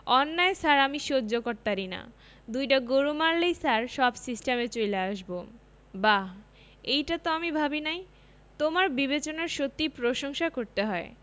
অন্যায় ছার আমি সহ্য করতারিনা দুইডা গরু মারলেই ছার সব সিস্টামে চইলা আসবো বাহ এইটা তো আমি ভাবিনাই তোমার বিবেচনার সত্যিই প্রশংসা করতে হয়